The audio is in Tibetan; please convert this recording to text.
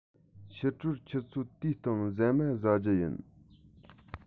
ཕྱི དྲོར ཆུ ཚོད དུའི སྟེང ཟ མ ཟ རྒྱུ ཡིན